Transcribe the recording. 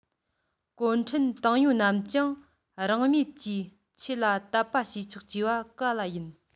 གུང ཁྲན ཏང ཡོན རྣམས ཀྱང རང མོས ཀྱིས ཆོས ལ དད པ བྱེད ཆོག ཅེས པ ག ལ ཡིན